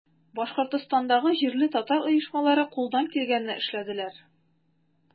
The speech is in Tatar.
Башкортстандагы җирле татар оешмалары кулдан килгәнне эшләделәр.